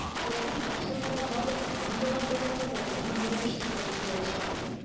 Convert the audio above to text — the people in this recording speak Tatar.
Калган матчларда барлык командалар да хаталар һәм ялгышлыклар җибәрәчәк.